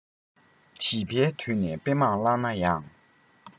བྱིས པའི དུས ནས དཔེ མང བཀླགས ན ཡང